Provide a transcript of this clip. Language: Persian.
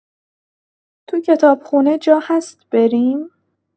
تو کتابخونه جا هست بریم؟